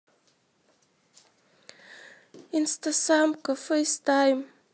инстасамка фейстайм